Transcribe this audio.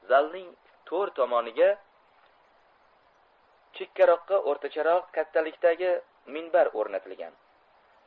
zalning to'r tomoniga chekkaroqqa o'rtacharoq kattalikdagi minbar o'matilgan